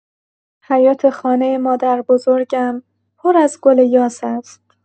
حیات خانه مادربزرگم پر از گل یاس است